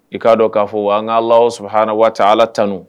I ka dɔn ka fɔ wa an ka Alahu subahana watala tanun.